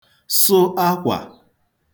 sụ akwà